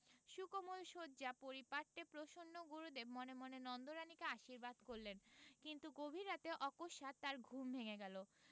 সুকোমল শয্যার পারিপাট্যে প্রসন্ন গুরুদেব মনে মনে নন্দরানীকে আশীর্বাদ করলেন কিন্তু গভীর রাতে অকস্মাৎ তাঁর ঘুম ভেঙ্গে গেল